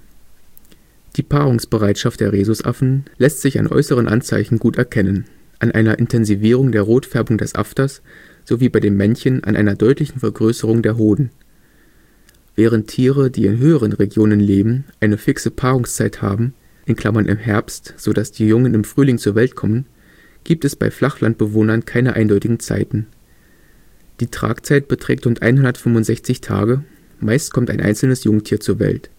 Paarungsbereitschaft der Rhesusaffen lässt sich an äußeren Anzeichen gut erkennen, an einer Intensivierung der Rotfärbung des Afters sowie bei den Männchen an einer deutlichen Vergrößerung der Hoden. Während Tiere, die in höheren Regionen leben, eine fixe Paarungszeit haben (im Herbst, sodass die Jungen im Frühling zur Welt kommen), gibt es bei Flachlandbewohnern keine eindeutigen Zeiten. Die Tragzeit beträgt rund 165 Tage, meist kommt ein einzelnes Jungtier zur Welt